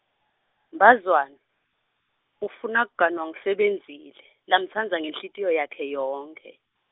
Mbazwana ufuna kanong- Sebenzile, lamtsandza ngenhlitiyo yakhe yonkhe.